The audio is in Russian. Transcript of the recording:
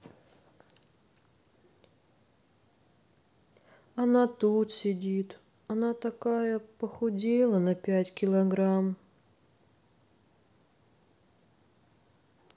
она тут сидит она такая похудела на пять килограмм